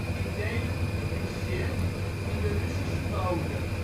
in delen gepubliceerd in De Russische Bode